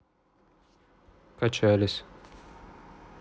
качались